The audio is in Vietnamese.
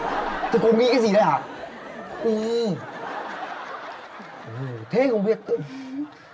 thế cô nghĩ gì đấy hả ui ngu thế không biết nữa